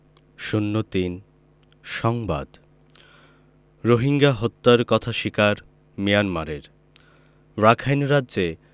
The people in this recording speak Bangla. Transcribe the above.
০৩ সংবাদ রোহিঙ্গা হত্যার কথা স্বীকার মিয়ানমারের রাখাইন রাজ্যে